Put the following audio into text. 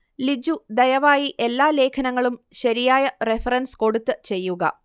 ലിജു ദയവായി എല്ലാ ലേഖനങ്ങളും ശരിയായ റെഫറൻസ് കൊടുത്ത് ചെയ്യുക